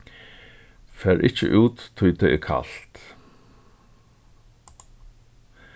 far ikki út tí tað er kalt